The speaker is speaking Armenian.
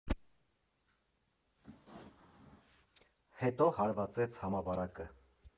Հետո հարվածեց համավարակը։